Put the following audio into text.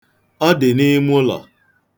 Ọ dị n'imụlọ.